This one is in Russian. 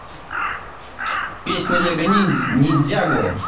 песня лего ниндзяго